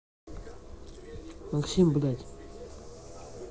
максим блядь